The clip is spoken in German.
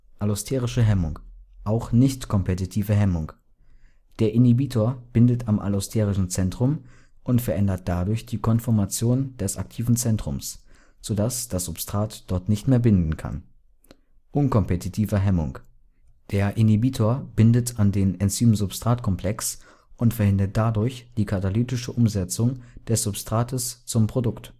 allosterische Hemmung (auch nicht-kompetitive Hemmung) – der Inhibitor bindet am allosterischen Zentrum und verändert dadurch die Konformation des aktiven Zentrums, sodass das Substrat dort nicht mehr binden kann; unkompetitiver Hemmung – der Inhibitor bindet an den Enzym-Substrat-Komplex und verhindert dadurch die katalytische Umsetzung des Substrates zum Produkt